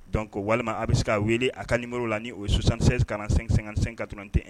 Donc ko walima a bɛ se k'a wele a kamo la ni o ye susansensɛ-senkat ntɛn